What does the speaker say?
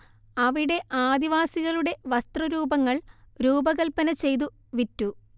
അവിടെ ആദിവാസികളുടെ വസ്ത്രരൂപങ്ങൾ രൂപകൽപ്പന ചെയ്തു വിറ്റു